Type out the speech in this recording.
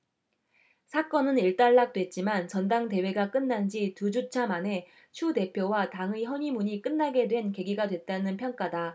사건은 일단락됐지만 전당대회가 끝난지 두 주차 만에 추 대표와 당의 허니문이 끝나게 된 계기가 됐다는 평가다